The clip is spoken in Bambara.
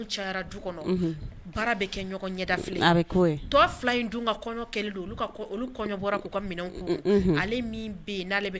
caayara dun kɔɲɔ, unhun, baara bɛ ɲɔn ɲɛda filɛ ye, a bɛ k'o ye, tɔ 2 in dun ka kɔɲn kɛlen don, olu kɔɲɲbɔra, k'u ka minɛnw k'u kun, unhun, ale bɛ yen n'a le bɛ